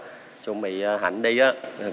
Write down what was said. chuẩn bị hạnh đi á